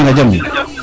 Alo nu yonga jam ?